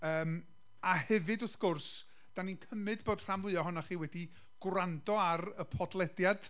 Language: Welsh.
Yym a hefyd, wrth gwrs, da ni'n cymryd bod rhan fwyaf ohonoch chi wedi gwrando ar y podlediad.